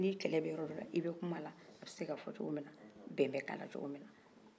ni kɛlɛ bɛ yɔrɔ dɔ la i bɛ kuma a bɛ se ka fɔ coko mina bɛn bɛ k'ala coko min na